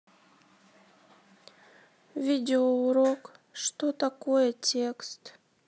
видеоурок что такое текст